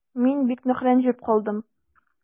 Мин бик нык рәнҗеп калдым.